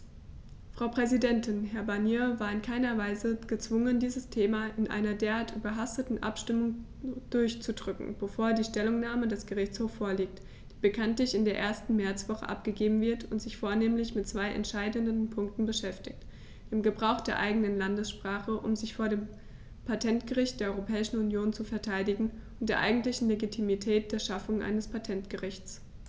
Frau Präsidentin, Herr Barnier war in keinerlei Weise gezwungen, dieses Thema in einer derart überhasteten Abstimmung durchzudrücken, bevor die Stellungnahme des Gerichtshofs vorliegt, die bekanntlich in der ersten Märzwoche abgegeben wird und sich vornehmlich mit zwei entscheidenden Punkten beschäftigt: dem Gebrauch der eigenen Landessprache, um sich vor dem Patentgericht der Europäischen Union zu verteidigen, und der eigentlichen Legitimität der Schaffung eines Patentgerichts.